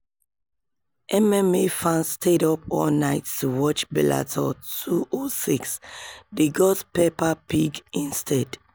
MMA fans stayed up all night to watch Bellator 206, they got Peppa Pig instead